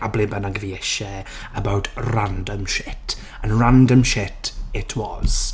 a ble bynnag fi isie about random shit. And random shit, it was.